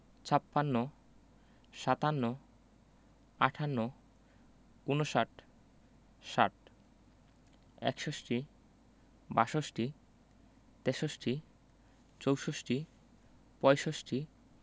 ৫৬ – ছাপ্পান্ন ৫৭ – সাতান্ন ৫৮ – আটান্ন ৫৯ - ঊনষাট ৬০ - ষাট ৬১ – একষট্টি ৬২ – বাষট্টি ৬৩ – তেষট্টি ৬৪ – চৌষট্টি ৬৫ – পয়ষট্টি